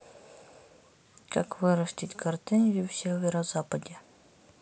как вырастить гортензию в северо западе